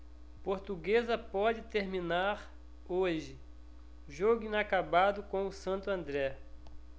portuguesa pode terminar hoje jogo inacabado com o santo andré